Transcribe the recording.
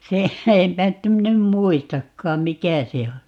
se enpä nyt en minä en muistakaan mikä se on